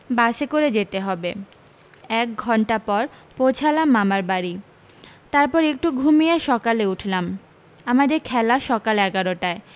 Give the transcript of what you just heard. বাসে করে যেতে হবে এক ঘণ্টা পর পৌছালাম মামার বাড়ী তার পর একটু ঘুমিয়ে সকালে উঠলাম আমাদের খেলা সকাল এগারো টায়